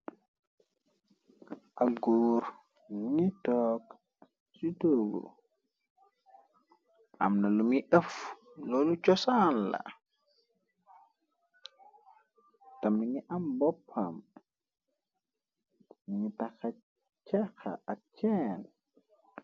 Ak góor buni toog ci toogu amna lumi ëf lolu chosaan la tami ngi am boppam ni taka chaxa ak chenn.